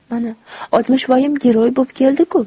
mana oltmishvoyim giroy bo'p keldi ku